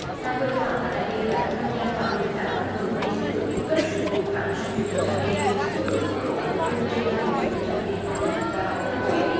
tại hội thảo các đại biểu đã tham gia thảo luận các tham luận về xu hướng cung cấp dịch vụ phát thanh truyền hình trả tiền xu hướng phân phối nội dung trên dịch vụ truyền hình trả tiền thách thức và cơ hội